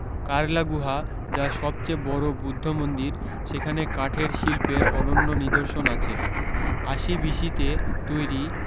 কারলা গূহা যা সবচেয়ে বড় বুদ্ধ মন্দির সেখানে কাঠের শিল্পের অনন্য নিদর্শন আছে আশি বিসিতে তৈরী